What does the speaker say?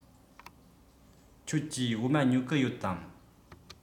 ཁྱོད ཀྱིས འོ མ ཉོ གི ཡོད དམ